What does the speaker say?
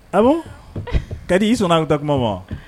A ka di i sɔn aku ta kuma ma